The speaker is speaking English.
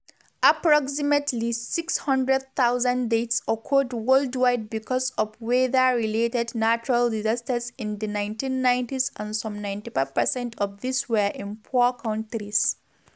Approximately 600,000 deaths occurred worldwide because of weather-related natural disasters in the 1990s and some 95 percent of these were in poor countries.